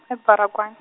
e- Baragwan-.